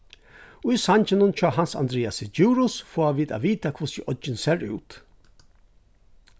í sanginum hjá hans andreasi djurhuus fáa vit at vita hvussu oyggin sær út